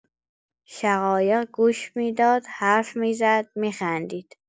شقایق گوش می‌داد، حرف می‌زد، می‌خندید.